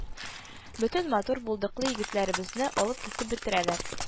Бөтен матур, булдыклы егетләребезне алып китеп бетерәләр